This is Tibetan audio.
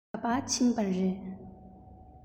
ག པར ཕྱིན པ རེད